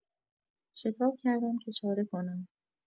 شتاب کردم که چاره کنم.